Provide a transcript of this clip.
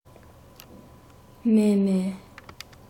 མཱེ མཱེ